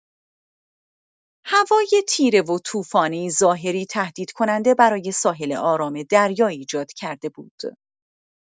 هوای تیره و طوفانی، ظاهری تهدیدکننده برای ساحل آرام دریا ایجاد کرده بود.